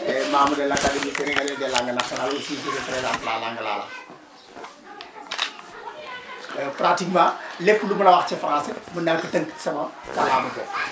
et membre de l' académie et des langues nationales surtout je présente la langue lala pratiquement lépp lu ma la wax ci français mën naa la ko tënk sama kàllaama bopp